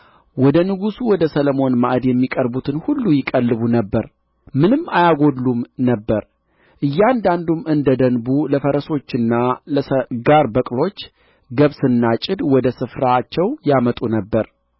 ወደ ንጉሡ ወደ ሰሎሞን ማዕድ የሚቀርቡትን ሁሉ ይቀልቡ ነበር ምንም አያጎድሉም ነበር እያንዳንዱም እንደ ደንቡ ለፈረሶቹና ለሰጋር በቅሎች ገብስና ጭድ ወደ ስፍራቸው ያመጡ ነበር